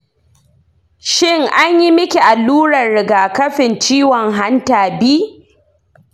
shin an yi miki allurar rigakafin ciwon hanta b?